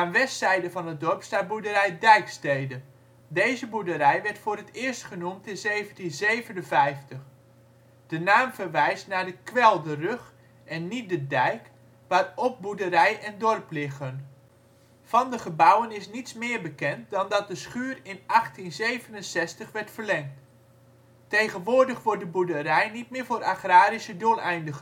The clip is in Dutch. westzijde van het dorp staat boerderij Dijkstede (Hoofdweg 84). Deze boerderij werd voor het eerst genoemd in 1757. De naam verwijst naar de kwelderrug (en niet de dijk) waarop boerderij en dorp liggen. Van de gebouwen is niets meer bekend dan dat de schuur in 1867 werd verlengd. Tegenwoordig wordt de boerderij niet meer voor agrarische doeleinden